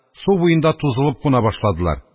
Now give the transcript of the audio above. Су буенда тузылып куна башладылар.